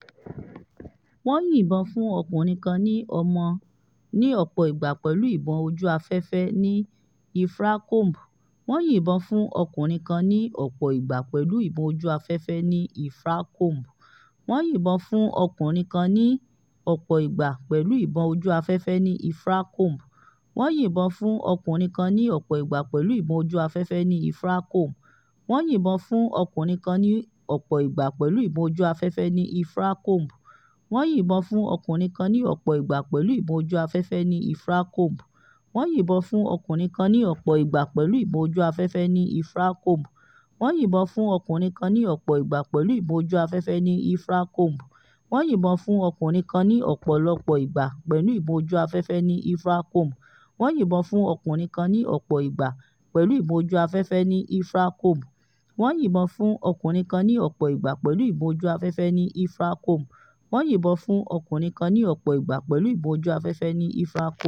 Wọ́n yìnbọn fún ọkùnrin kan ní ọ̀pọ̀ ìgbà pẹ̀lú ìbọn ojú afẹ́fẹ́ ni Ilfracombe